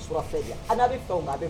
Bɛ fɛ